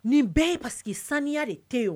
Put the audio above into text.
Nin bɛɛ ye paseke saniya de tɛ o